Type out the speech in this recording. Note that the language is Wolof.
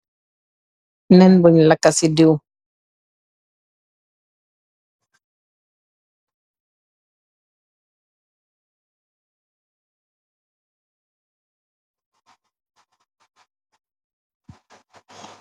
Nen buñg laka si diw